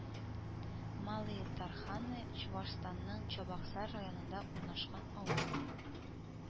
Малые Торханы Чуашстанның Чабаксар районында урнашкан авыл